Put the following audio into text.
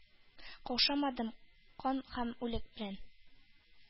Каушамадым кан һәм үлек белән